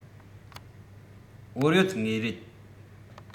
བོར ཡོད ངེས རེད